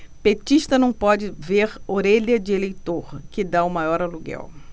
petista não pode ver orelha de eleitor que tá o maior aluguel